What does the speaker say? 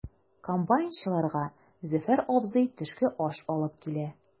Комбайнчыларга Зөфәр абзый төшке аш алып килә.